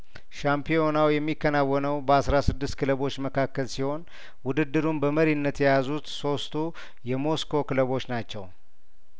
ሻምፒዮናው የሚከናወነው በአስራ ስድስት ክለቦች መካከል ሲሆን ውድድሩን በመሪነት የያዙት ሶስቱ የሞስኮ ክለቦች ናቸው